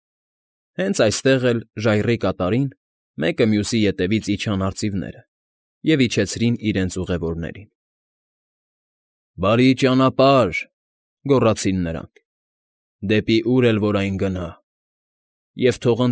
Հենց այստեղ էլ, ժայռի կատարին, մեկը մյուսի ետևից իջան արծիվները և իջեցրին իրենց ուղևորներին։ ֊ Բարի ճանապարհ,֊ գոռացին նրանք,֊ դեպի ուր էլ որ այն գնա… Եվ թող։